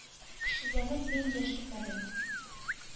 Көчсезләнеп, мин яшь түкмәдем.